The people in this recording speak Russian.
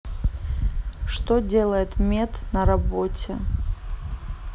что делает мед на работе